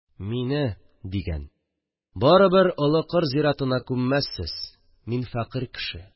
– мине, – дигән, – барыбер олы кыр зиратына күммәссез, мин фәкыйрь кеше